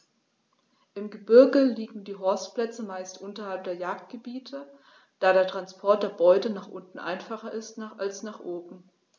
Im Gebirge liegen die Horstplätze meist unterhalb der Jagdgebiete, da der Transport der Beute nach unten einfacher ist als nach oben.